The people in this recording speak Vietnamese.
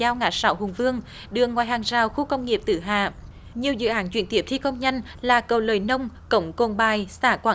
giao ngã sáu hùng vương đường ngoài hàng rào khu công nghiệp tử hạm nhiều dự án chuyển tiếp thi công nhân là cầu lời nông cổng cuồng bài xã quảng